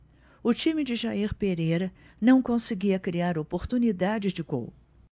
o time de jair pereira não conseguia criar oportunidades de gol